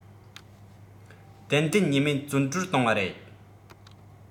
ཏན ཏན ཉེས མེད བཙོན འགྲོལ བཏང བ རེད